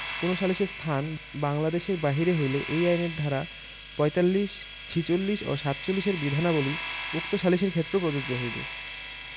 কোন সালিসের স্থান বাংলঅদেশের বাহিরে হইলে এই আইনের ধারা ৪৫ ৪৬ ও ৪৭ এর বিধানাবলী উক্ত সালিসের ক্ষেত্রেও প্রযোজ্য হইবে